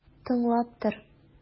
Тыңлап тор!